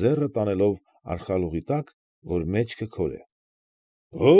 ձեռը տանելով արխալուղի տակ, որ մեջքը քորե։ ֊